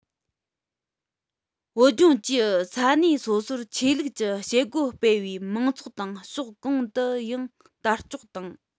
བོད ལྗོངས ཀྱི ས གནས སོ སོར ཆོས ལུགས ཀྱི བྱེད སྒོ སྤེལ བའི མང ཚོགས དང ཕྱོགས གང དུའང དར ལྕོག དང